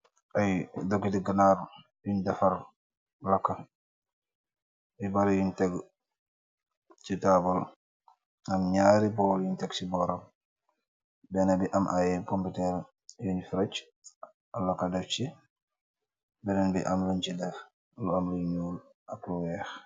ay dokkite ganaar yuñ defar lakka bi bara yuñ teg ci taabal am ñaari bool yuñ teg ci boorab benn bi am ay pomputer uñ frece laka dew ci benneen bi am lañ ci def lu am li ñuul ak lu weex